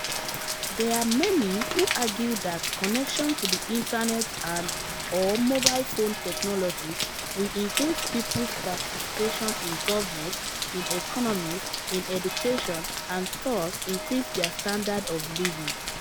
There are many who argue that connection to the internet and/or mobile phone technologies will increase people’s participation in government, in economies, in education and thus increase their standard of living.